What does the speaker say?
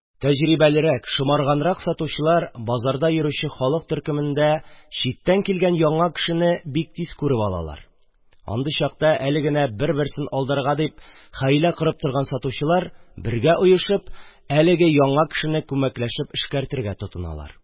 Тәҗрибәлерәк, шомарганрак сатучылар базарда йөрүче халык төркемендә читтән килгән яңа кешене бик тиз күреп алалар; андый чакта әле генә бер-берсен алдарга дип хәйлә корып торган сатучылар әлеге яңа кешене күмәкләшеп «эшкәртергә» тотыналар.